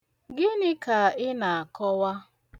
Gịnị ka ị na-akọwa?